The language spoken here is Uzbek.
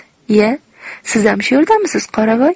iya sizam shu yerdamisiz qoravoy